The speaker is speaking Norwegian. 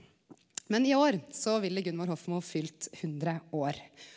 men i år så ville Gunvor Hofmo fylt 100 år.